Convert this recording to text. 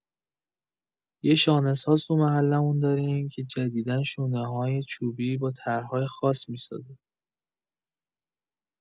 یه شانه‌ساز تو محله‌مون داریم که جدیدا شونه‌های چوبی با طرح‌های خاص می‌سازه.